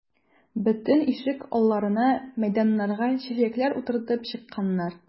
Бөтен ишек алларына, мәйданнарга чәчәкләр утыртып чыкканнар.